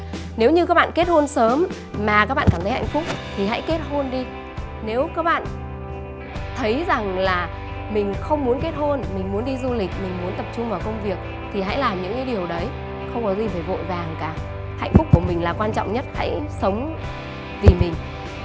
nếu như các bạn kết hôn sớm mà các bạn cảm thấy hạnh phúc thì hãy kết hôn đi nếu các bạn thấy rằng là mình không muốn kết hôn mình muốn đi du lịch mình muốn tập trung vào công việc thì hãy làm những cái điều đấy không có gì phải vội vàng cả hạnh phúc của mình là quan trọng nhất hãy sống vì